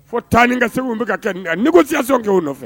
Fo tan ni ka segu siya kɛ nɔfɛ